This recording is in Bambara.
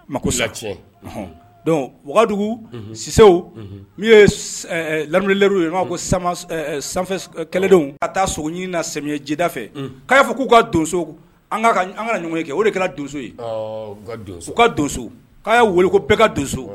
Ko don wagadu siw n' ye lalilɛriw ye n'a ko kɛlɛdenw ka taa sogo ɲinin na samiyɛ jida fɛ k''a fɔ k'u ka donso ka ɲɔgɔn kɛ o de kɛra donso ye k'u ka donso'a' weele ko bɛɛ ka donso